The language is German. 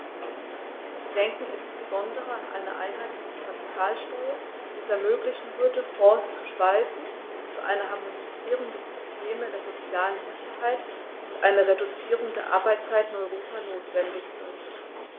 Wir denken insbesondere an eine einheitliche Kapitalsteuer, die es ermöglichen würde, Fonds zu speisen, die für eine Harmonisierung der Systeme der sozialen Sicherheit und eine Reduzierung der Arbeitszeit in Europa notwendig sind.